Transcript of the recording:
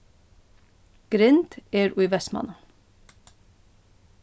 grind er í vestmanna